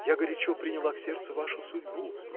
Я горячо приняла к сердцу вашу судьбу.